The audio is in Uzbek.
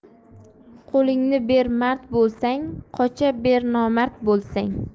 qo'lingni ber mard bo'lsang qocha ber nomard bo'lsang